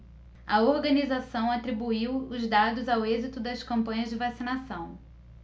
a organização atribuiu os dados ao êxito das campanhas de vacinação